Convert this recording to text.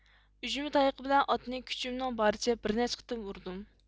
ئۈجمە تايىقى بىلەن ئاتنى كۈچۈمنىڭ بارىچە بىرنەچچە قېتىم ئۇردۇم